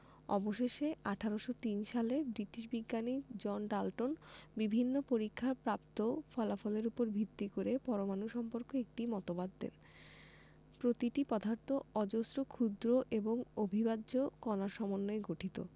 অবশেষে ১৮০৩ সালে ব্রিটিশ বিজ্ঞানী জন ডাল্টন বিভিন্ন পরীক্ষায় প্রাপ্ত ফলাফলের উপর ভিত্তি করে পরমাণু সম্পর্কে একটি মতবাদ দেন যে প্রতিটি পদার্থ অজস্র ক্ষুদ্র এবং অবিভাজ্য কণার সমন্বয়ে গঠিত